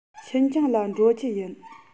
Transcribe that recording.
ཤིན ཅང ལ འགྲོ རྒྱུ ཡིན